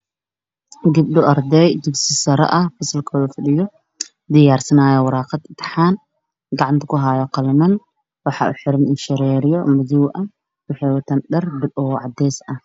Halkaan waxaa ka muuqdo gabdho uniform cadays ah qabo iyo indho shareer madaw ah miiska ay fadhiyaana waa jaalo